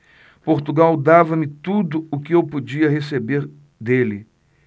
portugal dava-me tudo o que eu podia receber dele